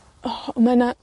O! Ma' 'na,